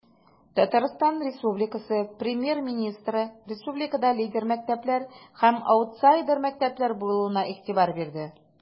ТР Премьер-министры республикада лидер мәктәпләр һәм аутсайдер мәктәпләр булуына игътибар бирде.